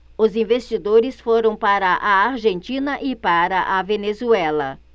os investidores foram para a argentina e para a venezuela